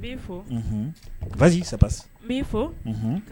Ii fo